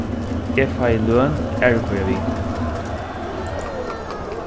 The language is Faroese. eg fái løn aðruhvørja viku